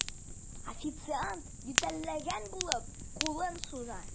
Официант, ютәлләгән булып, кулын суза.